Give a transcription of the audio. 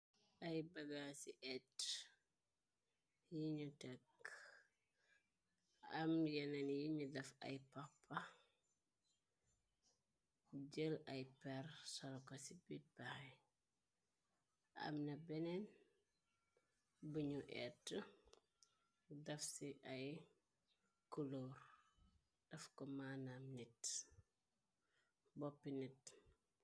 Ay bagaas ci et yi ñu tekk am yenan yi ñu daf ay papa jël ay per soroko ci bitbaay am na beneen buñu et daf ci ay kuloor daf ko maanam nit boppi nit.